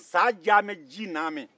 san diyalen bɛ ji nalen bɛ